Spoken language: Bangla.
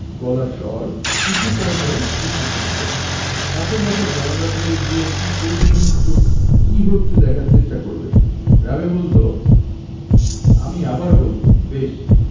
গলার স্বর উচু পর্দায় উঠতে থাকবে পাশের বাসার জানালা দিয়ে দুএকটি কৌতুহলী চোখ কি হচ্ছে দেখতে চেষ্টা করবে রাবেয়া বললো আমি আবার বলবো বেশ